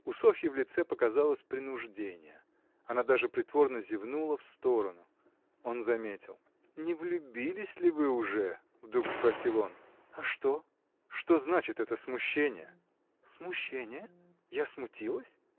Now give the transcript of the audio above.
У Софьи в лице показалось принуждение; она даже притворно зевнула в сторону. Он заметил. — Не влюбились ли вы уже? — вдруг спросил он. — А что? — Что значит это смущение? — Смущение? Я смутилась?